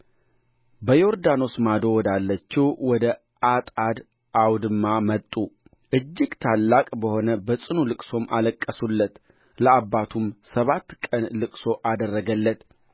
በዮርዳኖስ ማዶ ወዳለችው ወደ አጣድ አውድማ መጡ እጅግ ታላቅ በሆነ በጽኑ ልቅሶም አለቀሱለት ለአባቱም ሰባት ቀን ልቅሶ አደረገለት